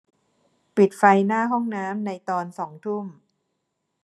ปิดไฟหน้าห้องน้ำในตอนสองทุ่ม